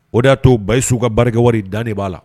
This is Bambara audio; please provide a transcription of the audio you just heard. O y'a to basiyi su ka barikakɛ wari da de b'a la